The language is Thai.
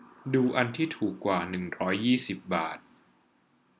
ดูอันที่ถูกกว่าร้อยยี่สิบบาท